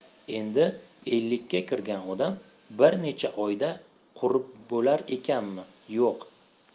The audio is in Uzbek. endi ellikka kirgan odam bir necha oyda qurib bo'lar ekanmi yo'q